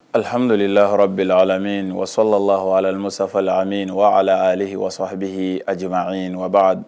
Alihamidu lahara bɛɛla alami wasɔla laha alal nimi sanfɛlami waali wa ha a jamana an ɲini wa b'a